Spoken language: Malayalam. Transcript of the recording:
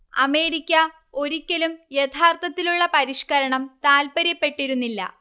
അമേരിക്ക ഒരിക്കലും യഥാർത്ഥത്തിലുള്ള പരിഷ്കരണം താല്പര്യപ്പെട്ടിരുന്നില്ല